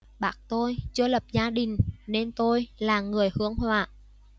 bác tôi chưa lập gia đình nên tôi là người hương hỏa